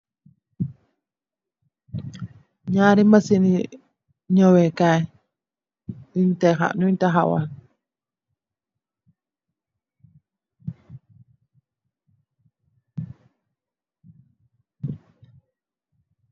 Ñaari masini ñaweh kai yun taxawal.